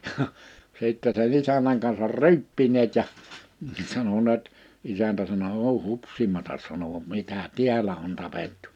ja sitten sen isännän kanssa ryyppineet ja sanoneet isäntä sanoi ole hupsimatta sanoi mitä täällä on tapettu